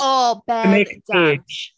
O! Bendant!